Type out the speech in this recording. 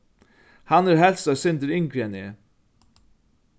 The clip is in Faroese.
hann er helst eitt sindur yngri enn eg